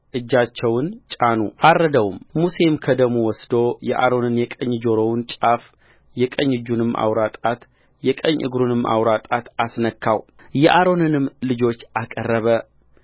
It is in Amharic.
እጆቻቸውን ጫኑ አረደውም ሙሴን ከደሙ ወስዶ የአሮንን የቀኝ ጆሮውን ጫፍ የቀኝ እጁንም አውራ ጣት የቀኝ እግሩንም አውራ ጣት አስነካውየአሮንንም ልጆች አቀረበ